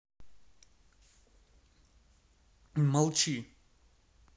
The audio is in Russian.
молчи